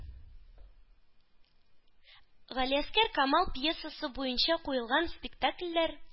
Галиәсгар Камал пьесасы буенча куелган спектакльләр